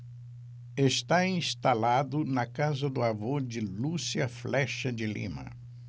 está instalado na casa do avô de lúcia flexa de lima